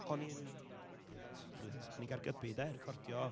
O'n i'n, brilliant, brilliant. O'n i'n Caergybi, de, recordio